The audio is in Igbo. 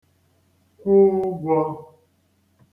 kwụ ụgwọ̄